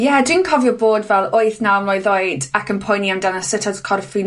Ie dw'n cofio bod fel wyth naw mlwydd oed, ac yn poeni amdana sut oedd corff fi'n